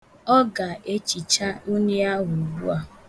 Ọ ga-echicha unyi ahụ ugbua.